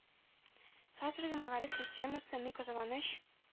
Хәзерге мәгариф системасы, ни кызганыч,